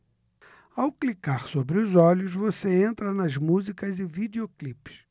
ao clicar sobre os olhos você entra nas músicas e videoclipes